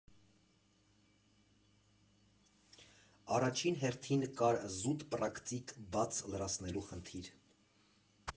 Առաջին հերթին կար զուտ պրակտիկ բաց լրացնելու խնդիր.